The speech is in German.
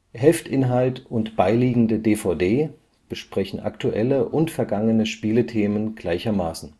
Heftinhalt und beiliegende DVD besprechen aktuelle und vergangene Spielethemen gleichermaßen